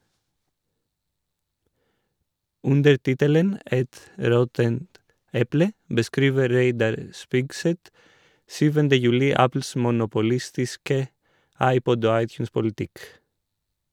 Under tittelen «Et råttent eple» beskriver Reidar Spigseth 7. juli Apples monopolistiske iPod- og iTunes-politikk.